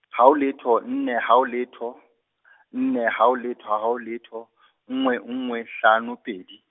haho letho nne haho letho , nne haho letho, haho letho , nngwe nngwe, hlano, pedi.